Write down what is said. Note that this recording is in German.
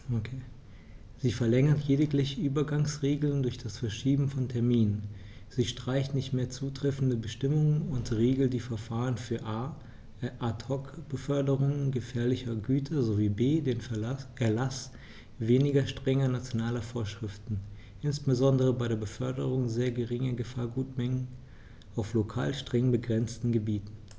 Sie verlängert lediglich Übergangsregeln durch das Verschieben von Terminen, sie streicht nicht mehr zutreffende Bestimmungen, und sie regelt die Verfahren für a) Ad hoc-Beförderungen gefährlicher Güter sowie b) den Erlaß weniger strenger nationaler Vorschriften, insbesondere bei der Beförderung sehr geringer Gefahrgutmengen auf lokal streng begrenzten Gebieten.